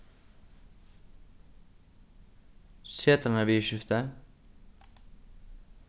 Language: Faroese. setanarviðurskifti